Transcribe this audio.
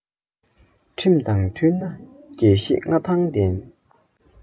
ཁྲིམས དང མཐུན ན རྒྱལ གཞིས མངའ ཐང ལྡན